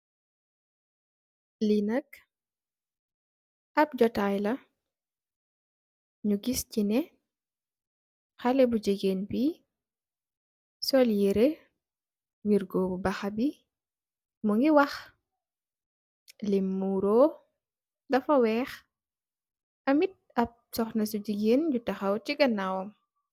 Lii nak ab jotaay la, ñu gis ci ne, xalé bu jigéen bi, sol yire wirgo baxa bi, mu ngi wax, lim muroo, dafa weex. Amit am soxna su jigéen ju taxaw si ganaawam.